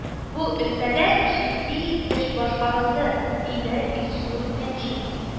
Бу өлкәдә җитди эш башкарылды, диде Илсур Метшин